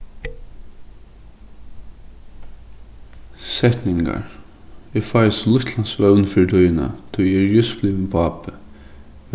setningar eg fái so lítlan svøvn fyri tíðina tí eg eri júst blivin pápi